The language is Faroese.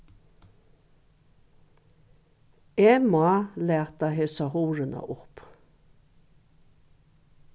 eg má lata hesa hurðina upp